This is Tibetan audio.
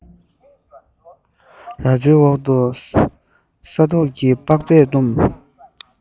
རྭ ཅོའི འོག ཏུ ས མདོག གིས པགས པས བཏུམས